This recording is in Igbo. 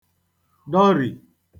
dọrì